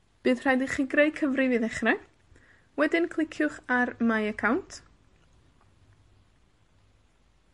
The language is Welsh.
Bydd rhaid i chi greu cyfrif i ddechre. Wedyn cliciwch ar My Account.